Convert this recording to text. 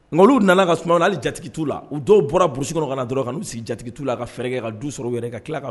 Nka nana ka sumaworo' jatigi' la u dɔw bɔra busi kɔnɔ ka na dɔrɔn kan n'u sigi jatigi' la ka fɛɛrɛ ka du sɔrɔ wɛrɛ ka tila ka